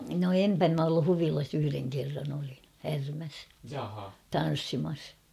no en minä ollut Huvilassa yhden kerran olin Härmässä tanssimassa